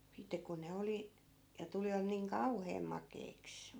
sitten kun ne oli ja tulivat niin kauhean makeiksi